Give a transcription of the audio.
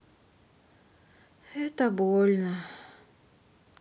это больно